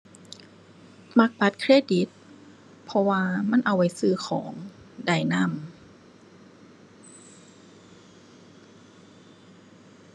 มักบัตรเครดิต เพราะว่ามันเอาไว้ซื้อของได้นำ